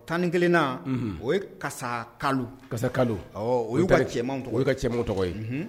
11 na o ye kasa kalo. kasa kalo . O yu ka cɛmanw tɔgɔ. O yu ka cɛmanw tɔgɔ ye Unhun